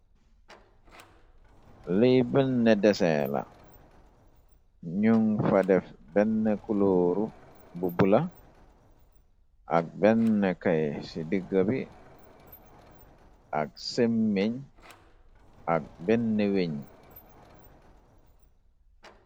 liy benne desen la nun fa def benne kulooru bu bula ak benn kay ci digga bi ak semmiñ ak benn wiñ.